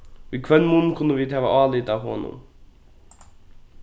í hvønn mun kunnu vit hava álit á honum